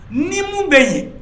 Ni mun bɛ yen